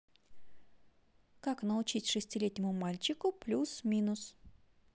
как научить шестилетнему мальчику плюс минус